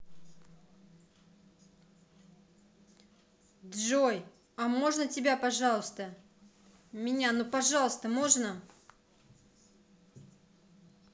джой а можно тебя пожалуйста меня ну пожалуйста можно